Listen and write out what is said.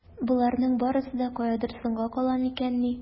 Боларның барсы да каядыр соңга кала микәнни?